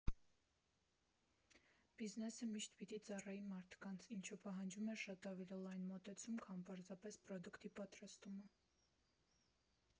Բիզնեսը միշտ պիտի ծառայի մարդկանց, ինչը պահանջում է շատ ավելի լայն մոտեցում, քան պարզապես պրոդուկտի պատրաստումը։